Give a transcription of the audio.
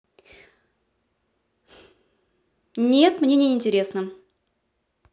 нет мне не интересно